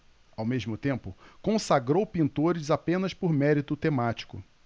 ao mesmo tempo consagrou pintores apenas por mérito temático